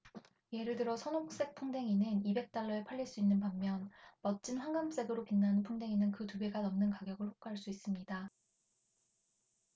예를 들어 선홍색 풍뎅이는 이백 달러에 팔릴 수 있는 반면 멋진 황금색으로 빛나는 풍뎅이는 그 두 배가 넘는 가격을 호가할 수 있습니다